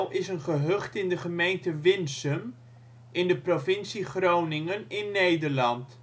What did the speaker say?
is een gehucht in de gemeente Winsum in de provincie Groningen in (Nederland